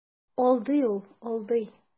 Алдый ул, алдый.